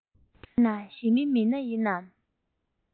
དེ ན ཞི མི མི སྣ ཡིན ནམ